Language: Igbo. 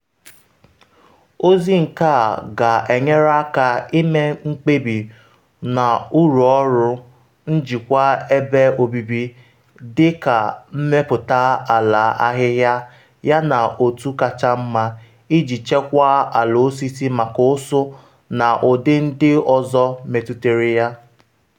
Ozi nke a ga-enyere aka ime mkpebi n’uru ọrụ njikwa ebe obibi dị ka mmepụta ala ahịhịa yana otu kacha mma iji chekwaa ala osisi maka ụsụ na ụdị ndị ọzọ metụtara ha.